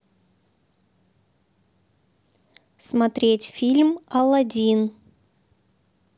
смотреть фильм алладин